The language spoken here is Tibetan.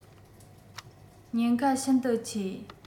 ཉེན ཁ ཤིན ཏུ ཆེ